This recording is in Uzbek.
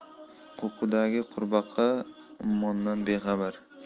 quduqdagi qurbaqa ummondan bexabar